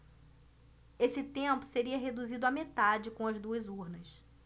esse tempo seria reduzido à metade com as duas urnas